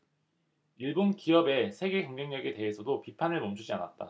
일본 기업의 세계 경쟁력에 대해서도 비판을 멈추지 않았다